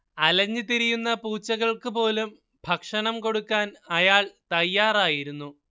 അലഞ്ഞ് തിരിയുന്ന പൂച്ചകൾക്ക് പോലും ഭക്ഷണം കൊടുക്കാൻ അയാള്‍ തയ്യാറായിരുന്നു